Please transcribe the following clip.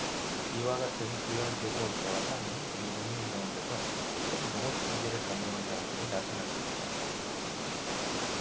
이와 같은 부유한 제조업자와 상인 그리고 농민 가운데서 초기 농업 기계를 발명한 사람들이 나타났습니다